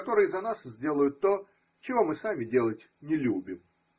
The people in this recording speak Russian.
которые за нас сделают то, чего мы сами делать не любим.